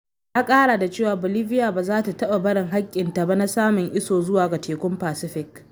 Ya kara da cewa "Bolivia ba za ta taɓa barin haƙƙin taɓa na samun iso zuwa ga Tekun Pacific.”